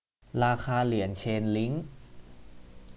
ราคาเหรียญเชนลิ้ง